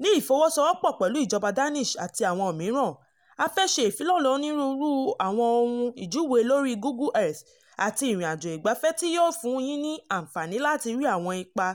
Ní ìfọwọ́sowọ̀pọ̀ pẹ̀lú ìjọba Danish àti àwọn míràn, a fẹ́ ṣe ìfilọ́lẹ̀ onírúurú àwọn ohun ìjúwe lóri Google Earth àti ìrìnàjò ìgbáfẹ́ tí yòó fún yín ní anfààní látí rí àwọn ipa